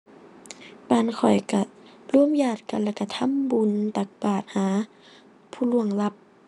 บ้านข้อยก็รวมญาติกัน แล้วก็ทำบุญ ตักบาตรหาผู้ล่วงลับ